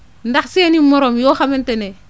ndax seen i morom yoo xamante ne